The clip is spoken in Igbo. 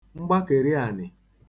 mgbakeriànị̀